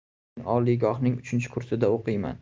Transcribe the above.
men oliygohning uchinchi kursida o'qiyman